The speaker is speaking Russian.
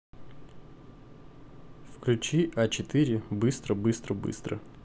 включи а четыре быстро быстро быстро